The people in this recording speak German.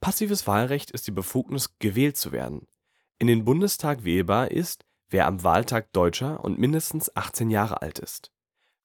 Passives Wahlrecht ist die Befugnis, gewählt zu werden. In den Bundestag wählbar ist, wer am Wahltag Deutscher und mindestens 18 Jahre alt ist.